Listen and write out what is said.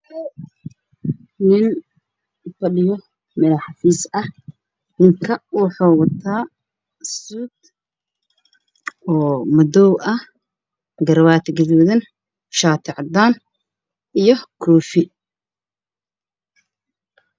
Meeshan waxaa fadhiyo madaxweyne wuxuu wataa shati madowga iyo koofi caddaan